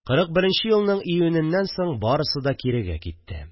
Кырык беренче елның июненнән соң барысы да кирегә китте